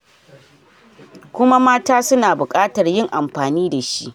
Kuma Mata Su na Buƙatar Yin Amfani Da Shi.